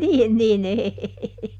niin niin ei